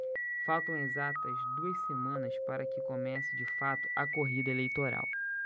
faltam exatas duas semanas para que comece de fato a corrida eleitoral